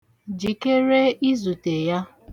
Jikere izute ya.